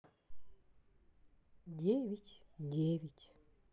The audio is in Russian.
девять девять